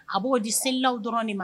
A b'o di selilaw dɔrɔn de ma